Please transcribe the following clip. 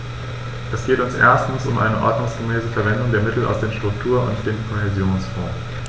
Es geht uns erstens um eine ordnungsgemäße Verwendung der Mittel aus den Struktur- und dem Kohäsionsfonds.